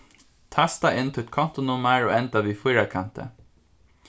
tasta inn títt kontunummar og enda við fýrakanti